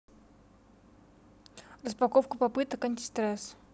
распаковка попыток антистресс